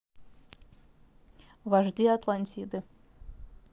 вожди атлантиды